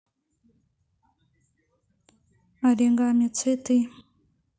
оригами цветы